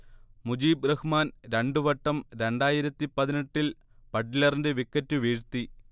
മുജീബ് റഹ്മാൻ രണ്ട് വട്ടം രണ്ടായിരത്തി പതിനെട്ടിൽ ബട്ട്ലറിന്റെ വിക്കറ്റ് വീഴ്ത്തി